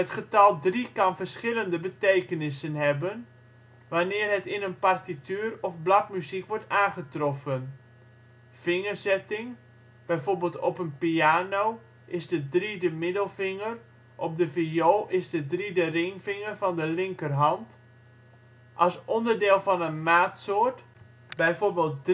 getal 3 kan verschillende betekenissen hebben, wanneer het in een partituur of bladmuziek wordt aangetroffen: Vingerzetting (bijvoorbeeld op een piano is de 3 de middelvinger, op een viool is de 3 de ringvinger van de linkerhand) Als onderdeel van een maatsoort, bijvoorbeeld